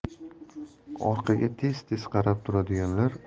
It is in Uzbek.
orqaga tez tez qarab turadiganlar